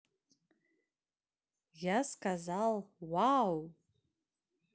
я сказал вау